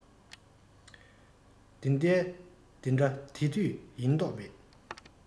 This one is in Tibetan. ད ལྟའི དེ འདྲ དེ དུས ཡིན མདོག མེད